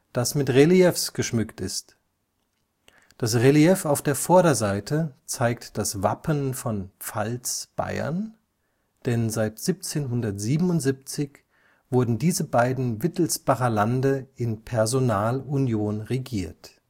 das mit Reliefs geschmückt ist. Das Relief auf der Vorderseite zeigt das Wappen von Pfalz-Bayern (seit 1777 wurden diese beiden Wittelsbacher Lande in Personalunion regiert